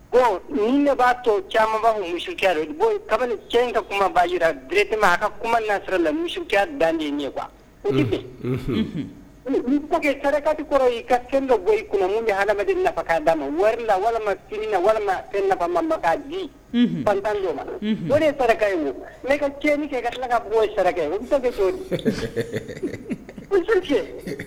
Ko ne b'a to caman misi cɛ in ka kuma baji bere a ka kuma na la misisuya danden ye o koti kɔrɔ i ka ka bɔ kun min bɛ adamaden nafakan d' ma walima walima nafama di pantan' ma o de ta ne ka cɛ kɛ ka tila ka saraka so